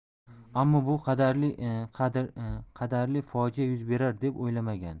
ammo bu qadarli fojia yuz berar deb o'ylamagandi